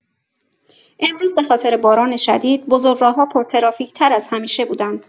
امروز به‌خاطر باران شدید، بزرگراه‌ها پرترافیک‌تر از همیشه بودند.